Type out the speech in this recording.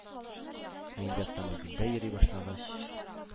Ә инде автомобильдә йөри башлагач,